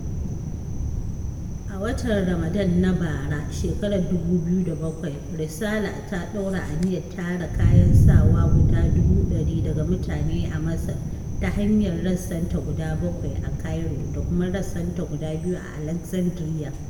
A watan Ramadan na bara (2007), Resala ta ɗaura aniyar tara kayan sawa guda dubu 100 daga mutane a Masar ta hanyar rassanta guda 7 a Cairo da kuma rassanta guda 2 a Alexandria.